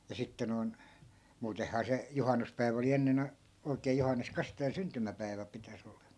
ja sitten noin muutenhan se juhannuspäivä oli ennen - oikein Johannes Kastajan syntymäpäivä pitäisi olla